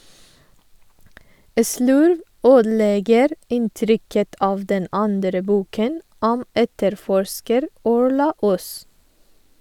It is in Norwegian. Slurv ødelegger inntrykket av den andre boken om etterforsker Orla Os.